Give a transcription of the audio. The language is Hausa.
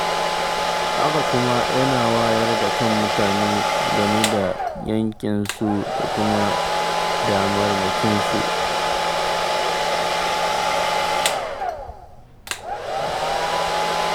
Haka kuma, yana wayar da kan mutane game da 'yancinsu da damarmakinsu.